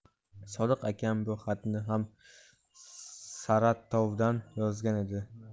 sodiq akam bu xatini ham saratovdan yozgan edi